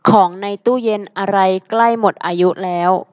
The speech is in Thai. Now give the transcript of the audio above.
ของในตู้เย็นอะไรใกล้หมดอายุแล้ว